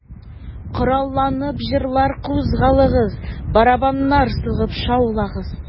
Коралланып, җырлар, кузгалыгыз, Барабаннар сугып шаулагыз...